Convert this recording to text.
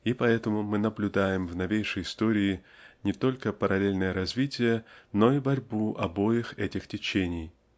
и поэтому мы наблюдаем в новейшей истории не только параллельное развитие но и борьбу обоих этих течений.